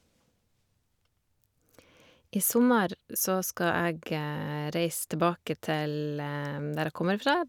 I sommer så skal jeg reise tilbake til der jeg kommer fra.